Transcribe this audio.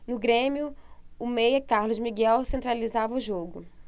no grêmio o meia carlos miguel centralizava o jogo